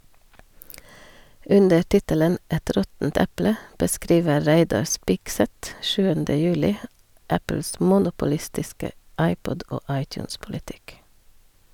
Under tittelen «Et råttent eple» beskriver Reidar Spigseth 7. juli Apples monopolistiske iPod- og iTunes-politikk.